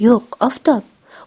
yo'q oftob